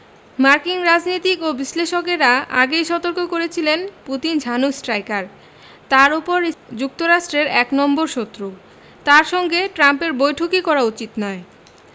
মার্কিন রাজনীতিক ও বিশ্লেষকেরা আগেই সতর্ক করেছিলেন পুতিন ঝানু স্ট্রাইকার তার ওপর যুক্তরাষ্ট্রের এক নম্বর শত্রু তাঁর সঙ্গে ট্রাম্পের বৈঠকই করা উচিত নয়